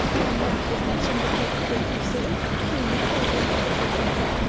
là nhà của hàng trăm động vật được thu giữ từ những tay buôn bán động vật hoang dã